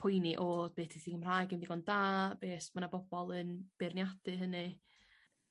poeni o be' Nghymraeg i'n ddigon da be' os ma' 'na bobol yn beirniadu hynny?